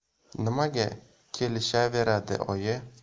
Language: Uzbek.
nimaga kelishaveradi oyi